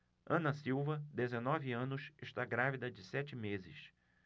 ana silva dezenove anos está grávida de sete meses